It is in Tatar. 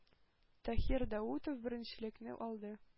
Таһир Даутов беренчелекне алды.